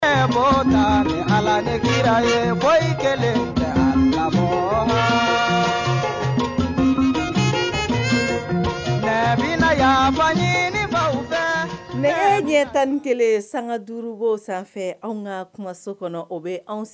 Ala ye kelen sami yaba ɲini fɛ ne ɲɛ 1 kelen sanga duuruko sanfɛ an ka kumaso kɔnɔ o bɛ anw